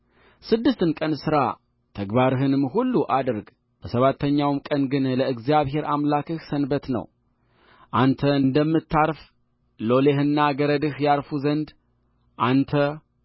ስድስት ቀን ሥራ ተግባርህንም ሁሉ አድርግሰባተኛው ቀን ግን ለእግዚአብሔር አምላክህ ሰንበት ነው አንተ እንደምታርፍ ሎሌህና ገረድህ ያርፉ ዘንድ አንተ